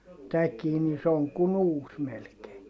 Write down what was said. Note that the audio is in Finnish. tämäkin niin se on kuin uusi melkein